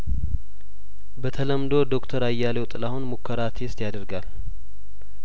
በተለምዶ ዶክተር አያሌው ጥላሁን ሙከራ ቴስት ያደርጋል